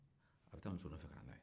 a bɛ taa muso nɔfɛ kana n'a ye